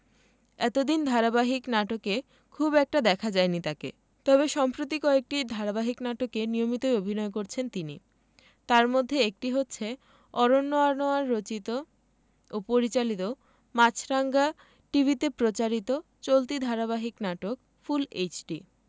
এতদিন ধারাবাহিক নাটকে খুব একটা দেখা যায়নি তাকে তবে সম্প্রতি কয়েকটি ধারাবাহিক নাটকে নিয়মিতই অভিনয় করছেন তিনি তার মধ্যে একটি হচ্ছে অরন্য আনোয়ার রচিত ও পরিচালিত মাছরাঙা টিভিতে প্রচারিত চলতি ধারাবাহিক নাটক ফুল এইচডি